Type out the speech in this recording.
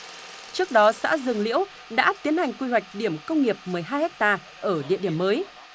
trước đó xã dương liễu đã tiến hành quy hoạch điểm công nghiệp mười hai héc ta ở địa điểm mới